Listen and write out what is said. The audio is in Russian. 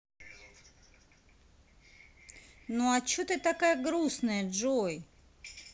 ну а че такая грустная джой